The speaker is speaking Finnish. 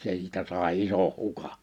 siitä sai ison hukan